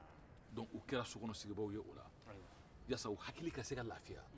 donke o kɛra sokɔnɔsigibaga ye o la walasa u hakili ka se ka lafiya